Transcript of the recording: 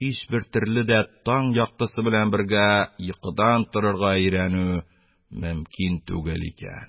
Һичбер төрле дә таң яктысы белән бергә йокыдан торырга өйрәнү мөмкин түгел икән.